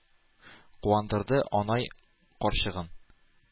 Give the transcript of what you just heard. Куандырды анай карчыгын,